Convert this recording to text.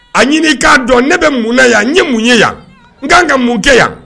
A ɲini k'a dɔn ne bɛ mun na yan n ye mun ye yan n kaan ka mun kɛ yan